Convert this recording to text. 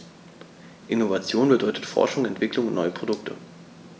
Innovation bedeutet Forschung, Entwicklung und neue Produkte.